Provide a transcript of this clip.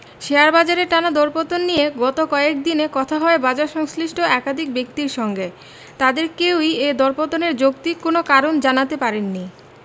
share বাজারের টানা দরপতন নিয়ে গত কয়েক দিনে কথা হয় বাজারসংশ্লিষ্ট একাধিক ব্যক্তির সঙ্গে তাঁদের কেউই এ দরপতনের যৌক্তিক কোনো কারণ জানাতে পারেননি